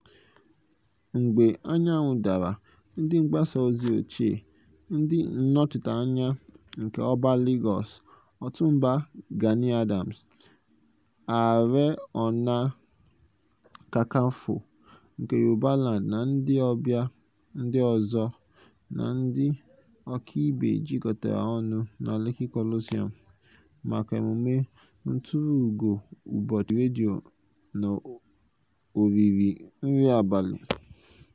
Mgbe anyanwụ dara, ndị mgbasa ozi ochie, ndị nnọchiteanya nke Oba Lagos, Ọ̀túnba Gani Adams, Ààrẹ Ọ̀nà Kakanfọ nke Yorùbá-land na ndị ọbịa ndị ọzọ na ndị ọkaibe jikọtara ọnụ na Lekki Coliseum maka emume nturu ugo ụbọchị redio na oriri nri abalị.